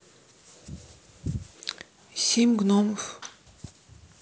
семь гномов